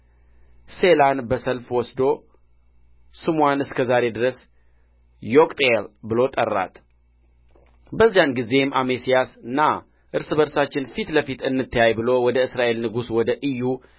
ሴላን በሰልፍ ወስዶ ስምዋን እስከ ዛሬ ድረስ ዮቅትኤል ብሎ ጠራት በዚያን ጊዜም አሜስያስ ና እርስ በርሳችን ፊት ለፊት እንተያይ ብሎ ወደ እስራኤል ንጉሥ ወደ ኢዩ